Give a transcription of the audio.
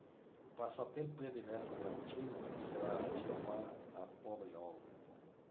o passatempo predileto de leontina será esnobar a pobre olga